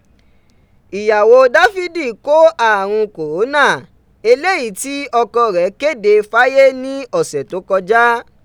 Ìyawo Dáfídì ko arun kòrónà eleyi ti ọkọ rẹ kede faye ni ọsẹ to kọja.